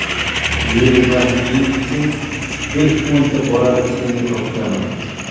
zerikmasliging uchun besh o'nta bolani senga topshiraman